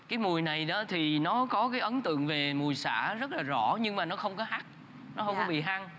cái mùi này nữa thì nó có gây ấn tượng về mùi xả rất rõ nhưng mà nó không có hắc nó không bị hăng